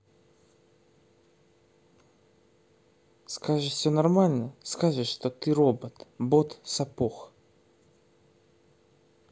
скажешь все нормально скажешь что ты робот бот сапог